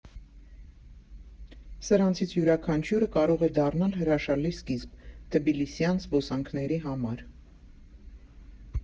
Սրանցից յուրաքանչյուրը կարող է դառնալ հրաշալի սկիզբ՝ թբիլիսյան զբոսանքների համար։